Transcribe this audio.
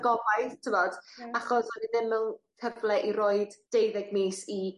...gobaith t'mod achos bod o ddim mewn cyfle i roid deuddeg mis i